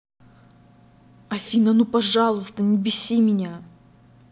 афина ну пожалуйста не беси меня